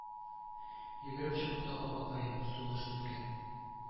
Йөгереп чыкты: апакаем, сугыш беткән